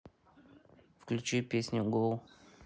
включи песню гоу